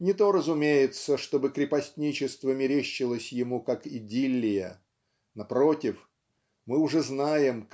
не то, разумеется, чтобы крепостничество мерещилось ему как идиллия напротив мы уже знаем